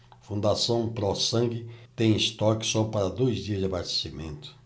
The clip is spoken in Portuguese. fundação pró sangue tem estoque só para dois dias de abastecimento